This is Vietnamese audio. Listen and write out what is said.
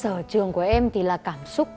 sở trường của em thì là cảm xúc